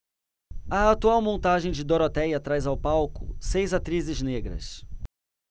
a atual montagem de dorotéia traz ao palco seis atrizes negras